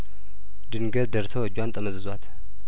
ድንገት ደርሰው እጇን ጠመዘዟት